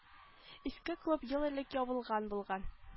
Иске клуб ел элек ябылган булган